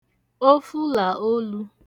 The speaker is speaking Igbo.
ofu là olū